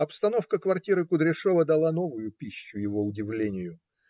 Обстановка квартиры Кудряшова дала новую пищу его удивлению.